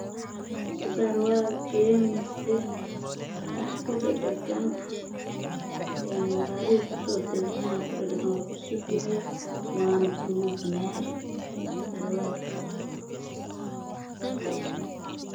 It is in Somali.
Waa surwaal jeenis madow ah